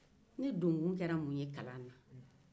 ne donkun kɛra mun ye kalan na